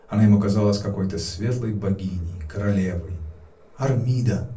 Она ему казалась какой-то светлой богиней, королевой. — Армида!